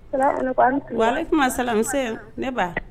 Salamalekum, ani tile. Walekuma salam, nse ne ba.